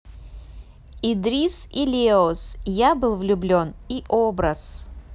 idris и leos я был влюблен и образ